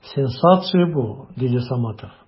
Сенсация бу! - диде Саматов.